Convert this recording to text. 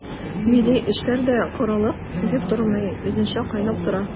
Милли эшләр дә корылык дип тормый, үзенчә кайнап тора.